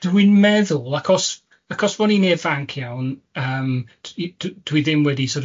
Dwi'n meddwl achos achos bo' ni'n ifanc iawn yym, t- i- t- dwi ddim wedi sor' of